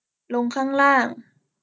ลงข้างล่าง